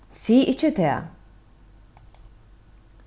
sig ikki tað